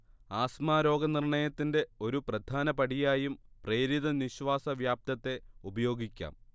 asthma രോഗനിർണയത്തിന്റെ ഒരു പ്രധാന പടിയായും പ്രേരിത നിശ്വാസ വ്യാപ്തത്തെ ഉപയോഗിക്കാം